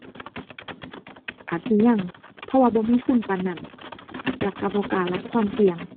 อาจสิยัง เพราะว่าบ่มีทุนปานนั้น แล้วก็บ่กล้ารับความเสี่ยง